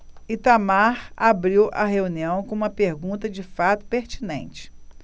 itamar abriu a reunião com uma pergunta de fato pertinente